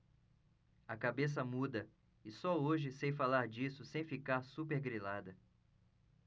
a cabeça muda e só hoje sei falar disso sem ficar supergrilada